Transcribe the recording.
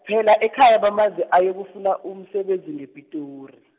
phela ekhaya bamazi ayokufuna umsebenzi ngePitori.